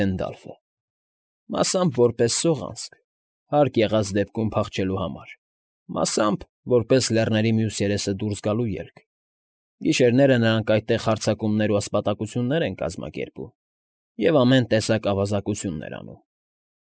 Հենդալֆը,֊ մասամբ որպես սողանցք, հարկ եղած դեպքում փախչելու համար, մասամբ որպես լեռների մյուս երեսը դուրս գալու ելք. գիշերները նրանք այդտեղ հարձակումներ ու ասպատակություններ են կազմակերպում և ամեն տեսակ ավազակություններ անում։